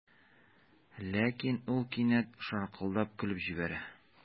Ләкин ул кинәт шаркылдап көлеп җибәрә.